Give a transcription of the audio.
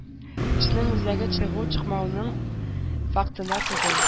Эшнең үзәге чыгу-чыкмауның фактында түгел.